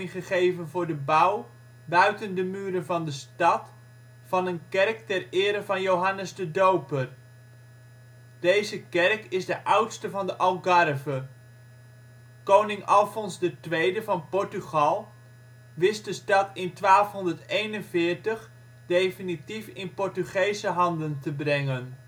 gegeven voor de bouw, buiten de muren van de stad, van een kerk ter ere van Johannes de Doper. Deze kerk is de oudste in de Algarve. Koning Alfons II van Portugal wist de stad in 1241 definitief in Portugese handen te brengen